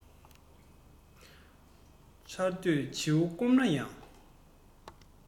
ཆར འདོད བྱེའུ སྐོམ ན ཡང